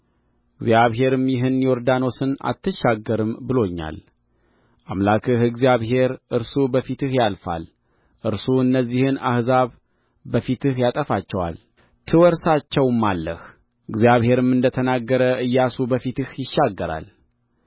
እግዚአብሔርም ይህን ዮርዳኖስን አትሻገርም ብሎኛል አምላክህ እግዚአብሔር እርሱ በፊትህ ያልፋል እርሱ እነዚህን አሕዛብ ከፊትህ ያጠፋቸዋል ትወርሳቸውማለህ እግዚአብሔርም እንደ ተናገረ ኢያሱ በፊትህ ይሻገራል